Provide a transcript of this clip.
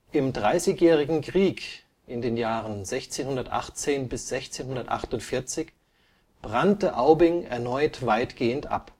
Im Dreißigjährigen Krieg (1618 – 1648) brannte Aubing erneut weitgehend ab